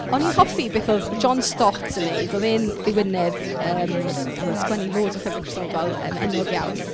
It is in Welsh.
O'n i'n hoffi beth oedd John Stott yn wneud, oedd e'n ddiwinydd yym a oedd e'n sgwennu loads o llyfrau Cristnogol yym enwog iawn.